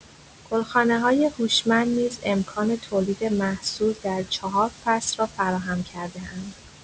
گلخانه‌های هوشمند نیز امکان تولید محصول در چهار فصل را فراهم کرده‌اند.